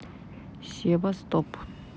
севастоп